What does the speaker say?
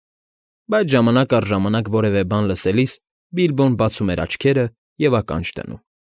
Բայց ժամանակ առ ժամանակ որևէ բան լսելիս Բիլբոն բացում էր աչքերը և ականջ դնում։